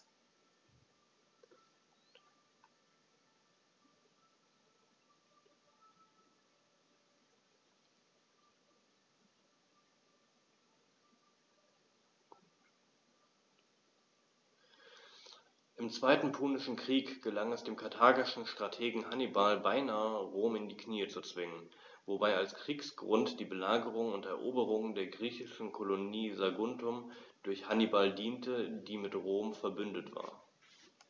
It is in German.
Im Zweiten Punischen Krieg gelang es dem karthagischen Strategen Hannibal beinahe, Rom in die Knie zu zwingen, wobei als Kriegsgrund die Belagerung und Eroberung der griechischen Kolonie Saguntum durch Hannibal diente, die mit Rom „verbündet“ war.